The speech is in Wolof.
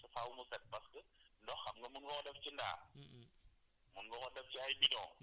ndox bi faaw mu set fa nga koy def par force faaw mu set parce que ndox xam nga mënuloo def ci ndaa